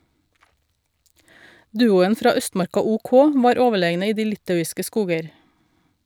Duoen fra Østmarka OK var overlegne i de litauiske skoger.